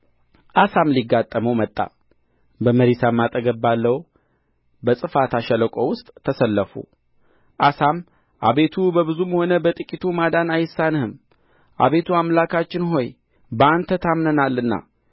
አሳም ሊጋጠመው ወጣ በመሪሳም አጠገብ ባለው በጽፋታ ሸለቆ ውስጥ ተሰለፉ አሳም አቤቱ በብዙም ሆነ በጥቂቱ ማዳን አይሳንህም አቤቱ አምላካችን ሆይ በአንተ ታምነናልና